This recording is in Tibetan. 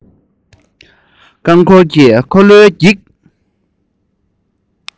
རྐང འཁོར གྱི འཁོར ལོའི འགྱིག